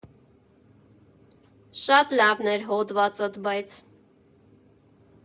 Շատ լավն էր հոդվածդ, բայց…